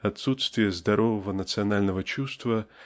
отсутствие здорового национального чувства